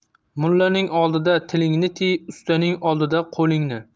mullaning oldida tilingni tiy ustaning oldida qo'lingni